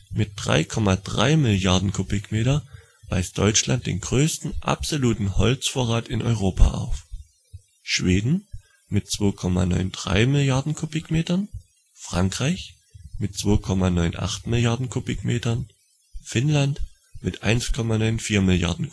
Mit 3,38 Mrd. m³ weist Deutschland den größten absoluten Holzvorrat in Europa auf (Schweden 2,93 Mrd. m³; Frankreich 2,98 Mrd. m³; Finnland 1,94 Mrd. m³